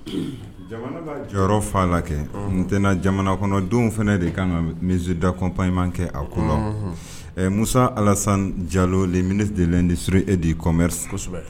Jamana jɔyɔrɔ fa la kɛ tun tɛna jamana kɔnɔdenw fana de kan ka misida kɔnpy kɛ a kɔ mu alasan jalo minɛ de de sure de kɔmme kosɛbɛ